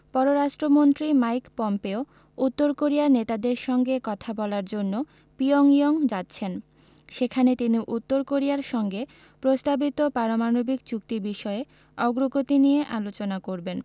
পররাষ্ট্রমন্ত্রী Mike Pompeo উত্তর কোরিয়ার নেতাদের সঙ্গে কথা বলার জন্য পিয়ংইয়ং যাচ্ছেন সেখানে তিনি উত্তর কোরিয়ার সঙ্গে প্রস্তাবিত পারমাণবিক চুক্তি বিষয়ে অগ্রগতি নিয়ে আলোচনা করবেন